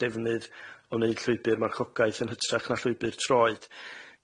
defnydd o 'neud llwybr marchogaeth yn hytrach na llwybr troed